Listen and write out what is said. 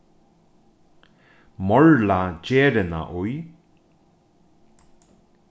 morla gerina í